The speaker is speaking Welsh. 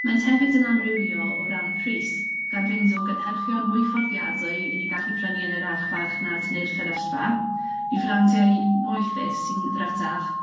Maent hefyd yn amrywio o ran pris, gan fynd o gynhyrchion mwy fforddiadwy y'n ni'n gallu prynu yn yr archfarchnad neu'r fferyllfa i frandiau moethus sy'n ddrytach.